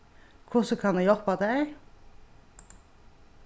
hvussu kann eg hjálpa tær